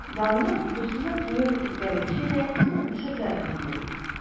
Данлы «Дуслык» нефтьүткәргече дә сезнең чорда төзелде бит...